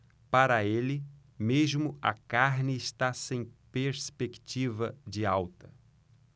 para ele mesmo a carne está sem perspectiva de alta